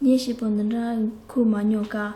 གཉིད སྐྱིད པོ འདི འདྲ ཁུག མ མྱོང རྐང